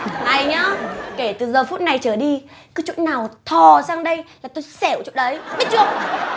này nhá kể từ giờ phút này trở đi cứ chỗ nào thò sang đây là tôi xẻo chỗ đấy biết chưa